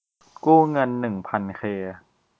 กู้เงินหนึ่งพันเค